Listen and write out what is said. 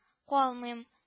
Калмыйм